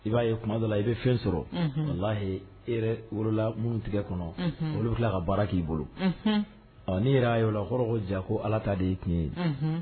I b'a ye kumada la i bɛ fɛn sɔrɔ e wolola minnu tigɛ kɔnɔ olu tila ka baara k'i bolo' yɛrɛ a yɔrɔ la hɔrɔn ja ko ala ta de y ye' ye